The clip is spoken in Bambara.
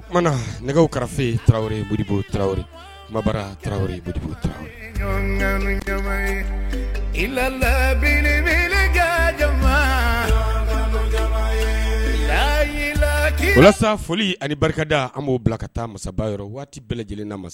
Oumana nɛgɛ karata taraweleurubu taraweleri kumabara tarawele i labminɛ ka jama laji laki walasa foli ani barikada an b'o bila ka taa masabayɔrɔ waati bɛɛ lajɛlen na ma